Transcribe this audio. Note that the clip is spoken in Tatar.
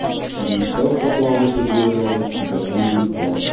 Биектау саклагычы җирләре федераль милектә.